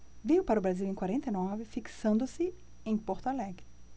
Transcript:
veio para o brasil em quarenta e nove fixando-se em porto alegre